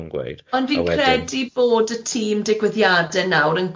gweud a wedyn. Ond fi'n credu bod y tîm digwyddiadau nawr yn gweld